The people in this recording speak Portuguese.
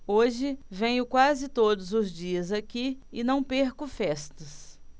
hoje venho quase todos os dias aqui e não perco festas